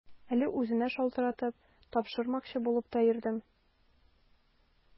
Әле үзенә шалтыратып, тапшырмакчы булып та йөрдем.